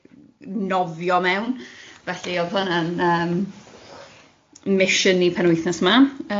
nofio mewn, felly oedd hwnna'n yym mission i penwythnos 'ma.